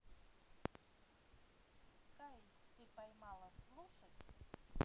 кайф ты поймала слушать